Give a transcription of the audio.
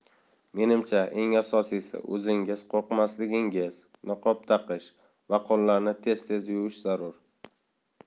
menimcha eng asosiysi o'zingiz qo'rqmasligingiz niqob taqish va qo'llarni tez tez yuvish zarur